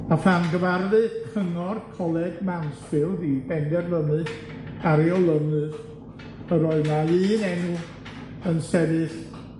A phan gyfarfu Cyngor Coleg Mansfield i benderfynu ar ei olynydd, y roedd 'na un enw yn sefyll